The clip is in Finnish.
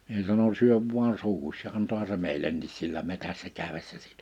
minä sanoin syö vain suuhusi ja antoihan se meillekin sillä metsässä käydessä siitä